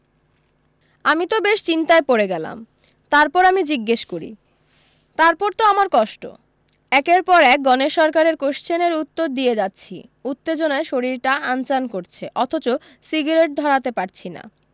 আমি তো বেশ চিন্তায় পড়ে গেলাম তারপর আমি জিজ্ঞেস করি তারপর তো আমার কষ্ট একের পর এক গণেশ সরকারের কোশ্চেনের উত্তর দিয়ে যাচ্ছি উত্তেজনায় শরীরটা আনচান করছে অথচ সিগারেট ধরাতে পারছি না